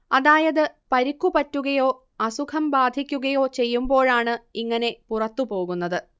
അതായത് പരിക്കു പറ്റുകയോ അസുഖം ബാധിക്കുകയോ ചെയ്യുമ്പോഴാണ് ഇങ്ങനെ പുറത്തുപോകുന്നത്